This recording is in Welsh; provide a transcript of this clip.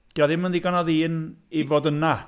Dydy o ddim yn ddigon o ddŷn i fod yna.